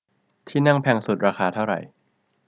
ที่นั่งแพงสุดราคาเท่าไหร่